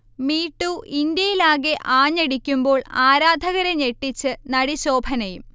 me too ഇന്ത്യയിലാകെ ആഞ്ഞടിക്കുമ്പോൾ ആരാധകരെ ഞെട്ടിച്ച് നടി ശോഭനയും